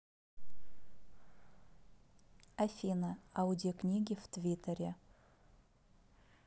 афина аудиокниги в твиттере